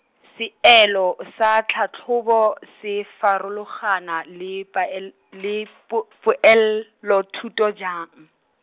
seelo sa tlhatlhobo se farologana le pael-, le po- poelothuto jang?